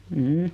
mm